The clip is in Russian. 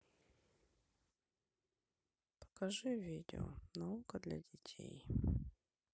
покажи видео наука для детей